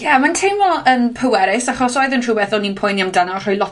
Ie, ma'n teimlo yn pwerus, achos oedd e'n rhwbeth o'n i'n poeni amdano, rhoi lot